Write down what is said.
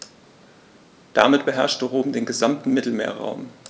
Damit beherrschte Rom den gesamten Mittelmeerraum.